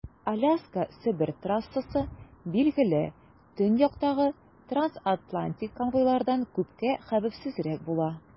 Аляска - Себер трассасы, билгеле, төньяктагы трансатлантик конвойлардан күпкә хәвефсезрәк була.